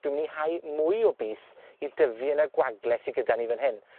dwi myn' i hau mwy o bys i dyfu yn y gwagle sy gyda ni fan hyn.